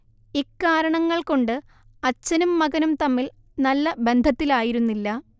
ഇക്കാരണങ്ങൾ കൊണ്ട് അച്ഛനും മകനും തമ്മിൽ നല്ല ബന്ധത്തിലായിരുന്നില്ല